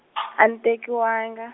a ni tekiwanga.